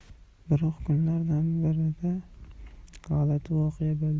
biroq kunlardan birida g'alati voqea bo'ldi